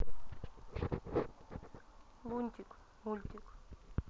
лунтик мультик